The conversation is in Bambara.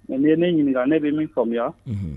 Nin ye ne ɲininka ne bɛ min faamuya